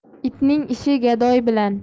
itning ishi gadoy bilan